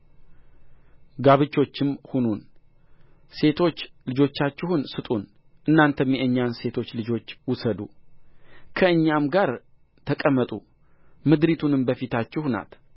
ጋብቾችም ሁኑን ሴቶች ልጆቻችሁን ስጡን እናንተም የእኛን ሴቶች ልጆች ውሰዱ ከእኛም ጋር ተቀመጡ ምድሪቱም በፊታችሁ ናት